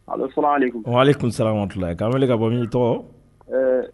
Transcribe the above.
Hali tun siranti' wele ka bɔ tɔgɔ